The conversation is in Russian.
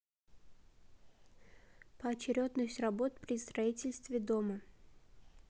поочередность работ при строительстве дома